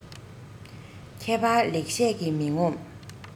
མཁས པ ལེགས བཤད ཀྱིས མི ངོམས